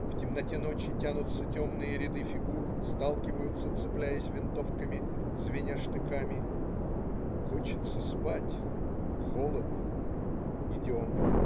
В темноте ночи тянутся темные ряды фигур, сталкиваются, цепляясь винтовками, звеня штыками. Хочется спать. Холодно. Идем.